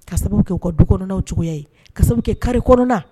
K'a sababu kɛ u ka dukɔnɔnaw cogoya ye, k'a sababu kɛ carré kɔnɔna